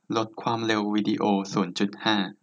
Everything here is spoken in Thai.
ลดความเร็ววีดีโอศูนย์จุดห้า